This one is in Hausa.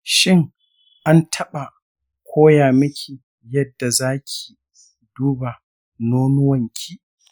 shin an taɓa koya miki yadda zaki duba nonuwanki?